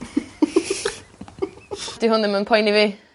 'Di hwn ddim yn poeni fi.